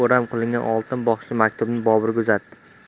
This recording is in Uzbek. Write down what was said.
o'ram qilingan oltin bog'ichli maktubni boburga uzatdi